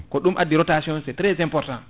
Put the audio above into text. ko ɗum addi rotation c' est trés important